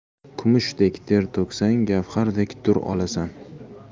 kumushdek ter to'ksang gavhardek dur olarsan